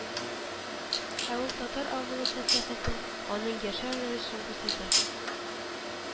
Ә ул татар авылы фәлсәфәсен, аның яшәү рәвешен күрсәтә